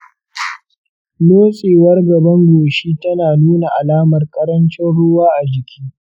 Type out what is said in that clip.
lotsewar gaban goshi tana nuna alamar ƙarancin ruwa a jiki